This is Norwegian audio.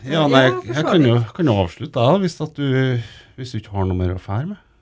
ja nei jeg kan jo jeg kan jo avslutte jeg hvis at du hvis du ikke har noe mer å fare med.